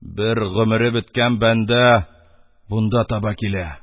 Бер гомере беткән бәндә бунда таба килә...